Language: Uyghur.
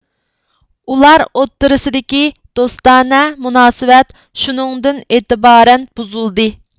ئۇلار ئوتتۇرىسىدىكى دوستانە مۇناسىۋەت شۇنىڭدىن ئېتىبارەن بۇزۇلدى